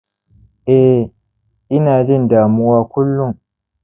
eh, ina jin damuwa kullum